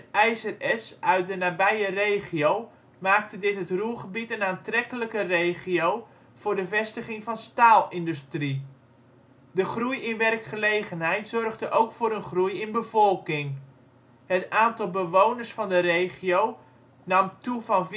ijzererts uit de nabije regio, maakte dit het Ruhrgebied een aantrekkelijke regio voor de vestiging van staalindustrie. De groei in werkgelegenheid zorgde ook voor een groei in bevolking. Het aantal bewoners van de regio nam toe van